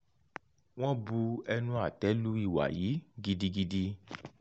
Wọ́n bu ẹnu àtẹ́ lu ìwà yìí gidigidi.